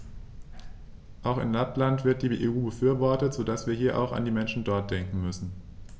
Auch in Lappland wird die EU befürwortet, so dass wir hier auch an die Menschen dort denken müssen.